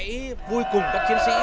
hãy vui cùng các chiến sĩ